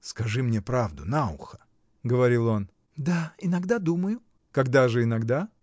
— Скажи мне правду, на ухо, — говорил он. — Да. иногда думаю. — Когда же иногда?